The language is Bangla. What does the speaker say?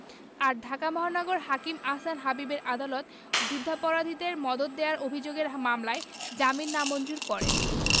আর ঢাকা মহানগর হাকিম আহসান হাবীবের আদালত যুদ্ধাপরাধীদের মদদ দেওয়ার অভিযোগের মামলায় জামিন নামঞ্জুর করেন